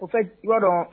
O fɛ jɔ dɔn